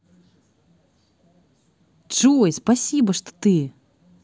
джой спасибо что ты